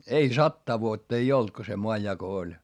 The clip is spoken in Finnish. ei sataa vuotta ei ollut kun se maanjako oli